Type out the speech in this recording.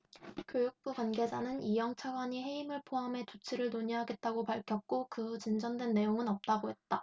교육부 관계자는 이영 차관이 해임을 포함해 조치를 논의하겠다고 밝혔고 그 후 진전된 내용은 없다고 했다